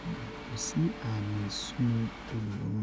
Ni bayii, kosi aami isuni oluworan.